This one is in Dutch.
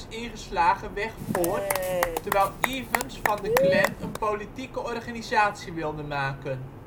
ingeslagen weg voort, terwijl Evans van de Klan een politieke organisatie wilde maken